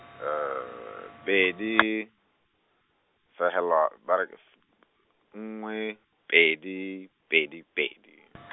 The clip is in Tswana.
pedi, fegelwa, ba re ke f-, nngwe, pedi, pedi pedi .